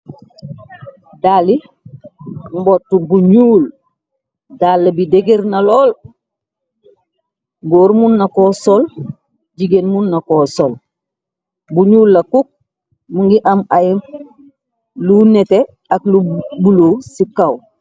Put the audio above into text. Dalli mbottu bu ñuul, dalle bi deger na lool, góor mun nako sol, jigéen mun na ko sol, bu ñuul la kukk, mu ngi am ay lu nete ak lu bulo ci kaw.